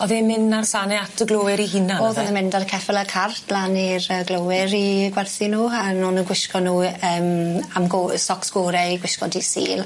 Odd e'n mynd a'r sane at y glowyr ei hunan yfe? O'dd e'n mynd a'r ceffyl a cart lan i'r yy glowyr i gwerthu nw a o'n nw'n yy gwishgo n'w yym am go- socks gore i gwishgo dy' Sul.